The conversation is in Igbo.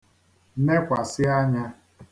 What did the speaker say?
nekwàsị anya